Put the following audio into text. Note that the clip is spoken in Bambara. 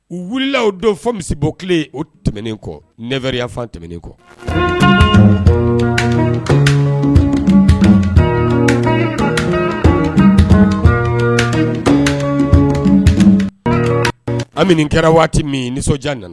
U wulila don fɔ misibo kelen o tɛmɛnen kɔ neɛrɛriyafan tɛmɛnen kɔ an minnu kɛra waati min nisɔndiya nana